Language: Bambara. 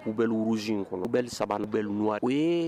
K'u bɛ uruz kɔnɔ u bɛ saba bɛlu